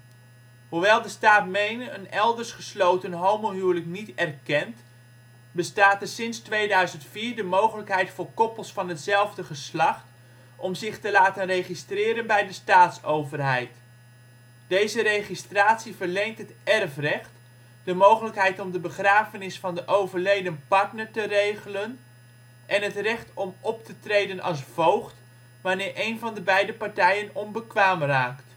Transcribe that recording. Hoewel de staat Maine een elders gesloten homohuwelijk niet erkent, bestaat er sinds 2004 de mogelijkheid voor koppels van hetzelfde geslacht om zich te laten registreren bij de staatsoverheid. Deze registratie verleent het erfrecht, de mogelijkheid om de begrafenis van de overleden partner te regelen en het recht om op te treden als voogd wanneer één van beide partijen onbekwaam raakt